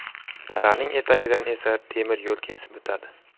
daraning etagidan esa temir yo'l kesib o'tadi